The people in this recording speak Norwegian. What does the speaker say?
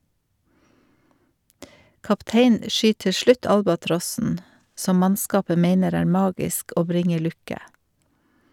Kapteinen skyt til slutt albatrossen , som mannskapet meiner er magisk og bringer lukke.